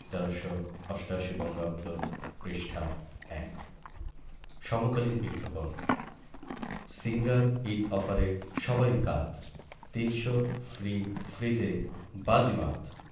১৩৮৮ বঙ্গাব্দ পৃষ্ঠা ১ সমকালীন বিজ্ঞাপন সিঙ্গার ঈদ অফারে সবাই কাত ৩০০ ফ্রি ফ্রিজে বাজিমাত